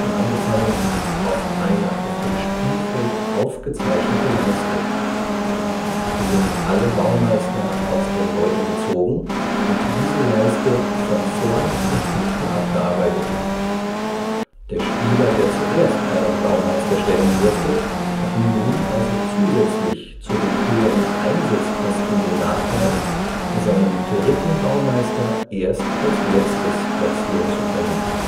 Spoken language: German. angefangen auf eine auf dem Spielfeld aufgezeichnete Leiste. Sind alle Baumeister aus dem Beutel gezogen, wird diese Leiste von vorn nach hinten abgearbeitet. Der Spieler, der zuerst einen Baumeister stellen durfte, hat nun also zusätzlich zu den höheren Einsetzkosten den Nachteil, seinen dritten Baumeister erst als letztes platzieren zu können